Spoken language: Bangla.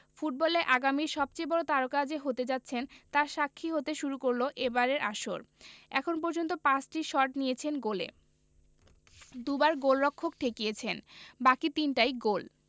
ফুটবলে আগামীর সবচেয়ে বড় তারকা যে হতে যাচ্ছেন তার সাক্ষী হতে শুরু করল এবারের আসর এখন পর্যন্ত ৫টি শট নিয়েছেন গোলে দুবার গোলরক্ষক ঠেকিয়েছেন বাকি তিনটাই গোল